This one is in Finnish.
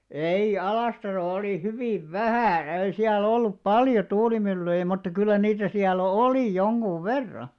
ei Alastarolla oli hyvin vähän ei siellä ollut paljon tuulimyllyjä mutta kyllä niitä siellä oli jonkun verran